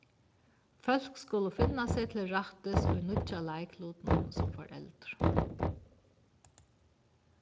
fólk skulu finna seg til rættis í nýggja leiklutinum sum foreldur